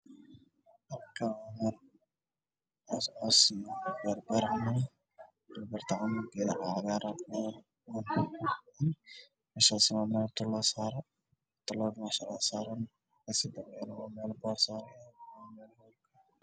Meshan waa meel mutulel ah hortiisa waxaa ka muuqda boor